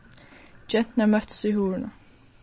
genturnar møttust í hurðini